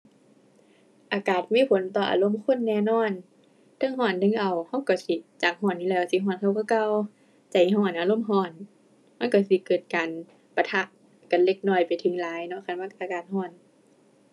อากาศมีผลต่ออารมณ์คนแน่นอน เทิงร้อนเทิงอ้าว ร้อนร้อนสิ จากร้อนอยู่แล้วร้อนสิร้อนกว่าคือเก่า ใจร้อน อารมณ์ร้อน มันร้อนสิเกิดการปะทะกันเล็กน้อยไปถึงหลายเนาะ คันมันอากาศร้อน